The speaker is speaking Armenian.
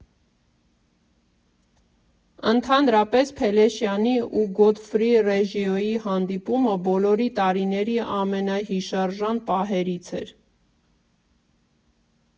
Ընդհանրապես, Փելեշյանի ու Գոթֆրի Ռեջիոյի հանդիպումը բոլորի տարիների ամենահիշարժան պահերից էր։